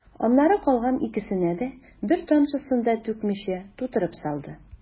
Аннары калган икесенә дә, бер тамчысын да түкмичә, тутырып салды.